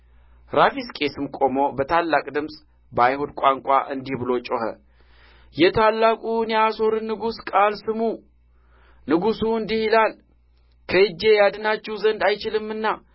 ራፋስቂስም ቆሞ በታላቅ ድምፅ በአይሁድ ቋንቋ እንዲህ ብሎ ጮኽ የታላቁን የአሦር ንጉሥ ቃል ስሙ ንጉሡ እንዲህ ይላል ከእጄ ያድናችሁ ዘንድ አይችልምና